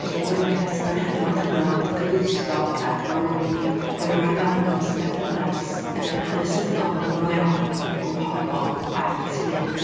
Felly, maen nhw'n bethau sydd yn hynod, hynod gyfoethog ac maen nhw'n... maen nhw'n arddangos y berthynas yym hanesyddol yn aml iawn rhwng pobl â'r tir.